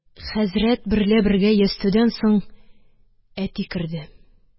Хәзрәт берлә бергә ястүдән соң әти керде.